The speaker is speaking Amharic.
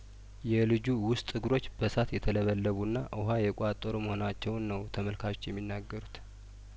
የልጁ ውስጥ እግሮች በሳት የተለበለቡና ውሀ የቋጠሩ መሆናቸውን ነው ተመልካቾች የሚናገሩት